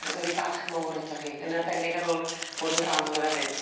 My' 'dy fi barch mowr atoch chi yn arbennig ar ôl bod yn ran onno fe 'fyd.